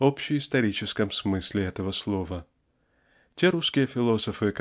общеисторическом смысле этого слова. Те русские философы